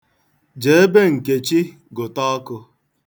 Jee be Nkechi gụta ọkụ.